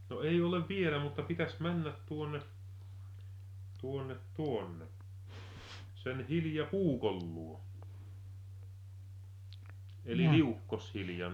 no ei ole vielä mutta pitäisi mennä tuonne tuonne tuonne sen Hilja Puukon luo eli Liukkos-Hiljan